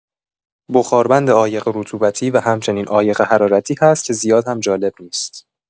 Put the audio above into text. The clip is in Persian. بخاربند عایق رطوبتی و هم‌چنین عایق حرارتی هست که زیاد هم جالب نیست.